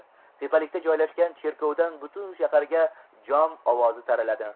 tepalikda joylashgan cherkovdan butun shaharga jom ovozi taraladi